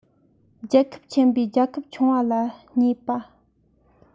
རྒྱལ ཁབ ཆེན པོས རྒྱལ ཁབ ཆུང བ ལ བརྙས པ